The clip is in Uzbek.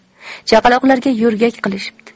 chaqaloqlarga yo'rgak qilishibdi